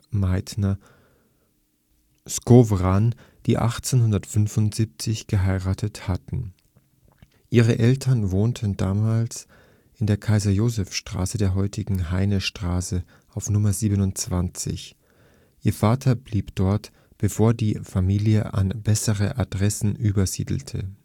Meitner-Skovran, die 1875 geheiratet hatten. Ihre Eltern wohnten damals in der Kaiser-Joseph-Straße, der heutigen Heinestraße, auf Nr. 27. Ihr Vater betrieb dort, bevor die Familie an „ bessere Adressen “übersiedelte